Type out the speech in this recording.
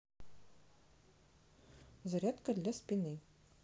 зарядка для спины